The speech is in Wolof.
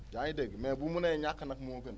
yaa ngi dégg mais bu munee ñàkk nag moo gën